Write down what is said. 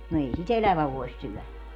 no ei sitä elävä voi syödä